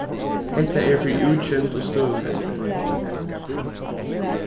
hetta er fyri útsjónd og støðufesti